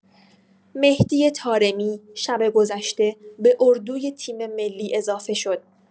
مهدی طارمی شب گذشته به اردوی تیم‌ملی اضافه شد.